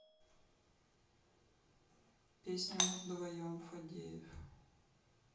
песня мы вдвоем фадеев